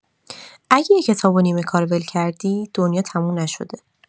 اگه یه کتاب رو نیمه‌کاره ول کردی، دنیا تموم نشده.